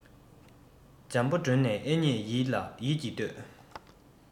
འཇམ པོ བསྒྲོན ནས ཨེ མཉེས ཡིད ཀྱིས ལྷོས